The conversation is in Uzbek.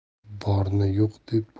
borni yo'q deb